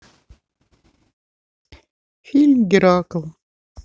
фильм геракл